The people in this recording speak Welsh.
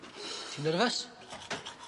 Ti'n nerfus?